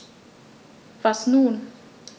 Was nun?